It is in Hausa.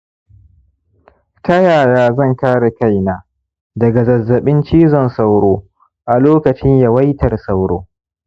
ta yaya zan kare kaina daga zazzaɓin cizon sauro a lokacin yawaitar sauro